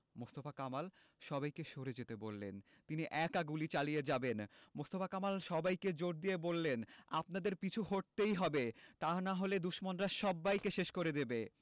মোস্তফা কামাল সবাইকে সরে যেতে বললেন তিনি একা গুলি চালিয়ে যাবেন মোস্তফা কামাল সবাইকে জোর দিয়ে বললেন আপনাদের পিছু হটতেই হবে তা না হলে দুশমনরা সবাইকে শেষ করে দেবে